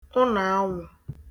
ụlọ̀anwụ̄